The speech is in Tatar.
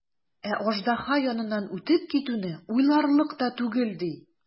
Ә аждаһа яныннан үтеп китүне уйларлык та түгел, ди.